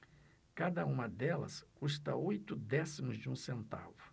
cada uma delas custa oito décimos de um centavo